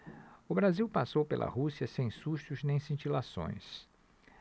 o brasil passou pela rússia sem sustos nem cintilações